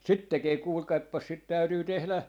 sitä tekee kuulkaapas sitä täytyy tehdä